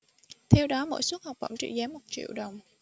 theo đó mỗi suất học bổng trị giá một triệu đồng